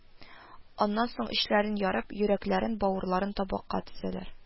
Аннан соң эчләрен ярып, йөрәкләрен, бавырларын табакка тезәләр